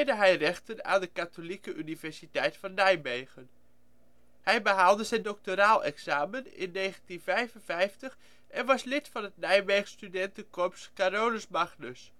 hij rechten aan de Katholieke Universiteit van Nijmegen. Hij behaalde zijn doctoraal examen in 1955 en was lid van het Nijmeegsch Studenten Corps Carolus Magnus